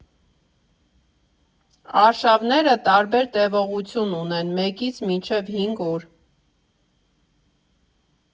Արշավները տարբեր տևողություն ունեն՝ մեկից մինչև հինգ օր։